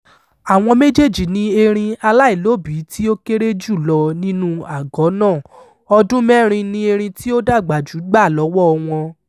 Àwọn méjèèjì ni erin aláìlóbìíi tí ó kéré jù lọ nínú àgọ́ náà; ọdún mẹ́rin ni erin tí ó dàgbà jù gbà lọ́wọ́ọ wọn.